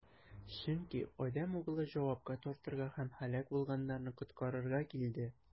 Чөнки Адәм Углы җавапка тартырга һәм һәлак булганнарны коткарырга килде.